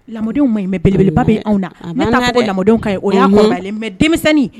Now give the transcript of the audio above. Ladenw ma ɲi mɛ beleba bɛ anw la a'a ka ladenw ka o denmisɛnnin